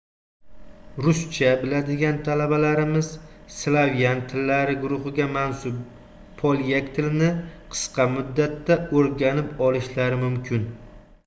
ruscha biladigan talabalarimiz slavyan tillari guruhiga mansub polyak tilini qisqa muddatda o'rganib olishlari mumkin